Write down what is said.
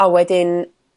a wedyn